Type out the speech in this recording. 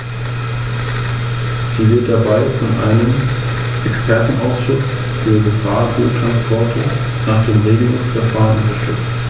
Aber ich glaube, dass wir alles unternehmen sollten, um den Transport gefährlicher Güter so gering wie möglich zu halten, und zwar in allen Ländern, ob Transitländer oder nicht.